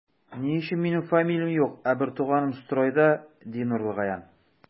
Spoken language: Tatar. Ни өчен минем фамилиям юк, ә бертуганым стройда, ди Нурлыгаян.